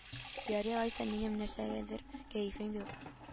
Ярый алайса минем нәрсәгәдер кәефем юк